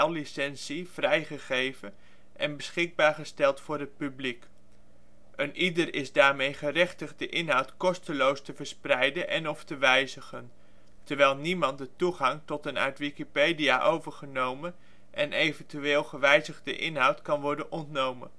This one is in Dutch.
licentie vrijgegeven en beschikbaar gesteld voor het publiek. Een ieder is daarmee gerechtigd de inhoud kosteloos te verspreiden en/of te wijzigen, terwijl niemand de toegang tot een uit Wikipedia overgenomen en eventueel gewijzigde inhoud kan worden onthouden